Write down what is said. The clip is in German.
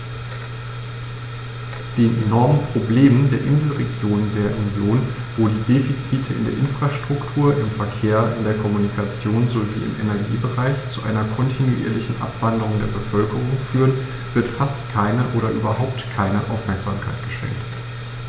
Den enormen Problemen der Inselregionen der Union, wo die Defizite in der Infrastruktur, im Verkehr, in der Kommunikation sowie im Energiebereich zu einer kontinuierlichen Abwanderung der Bevölkerung führen, wird fast keine oder überhaupt keine Aufmerksamkeit geschenkt.